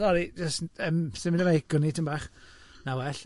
Sori, jyst, yym, symud y meic o'n i tipyn bach, na well, aah.